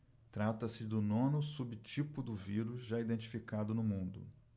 trata-se do nono subtipo do vírus já identificado no mundo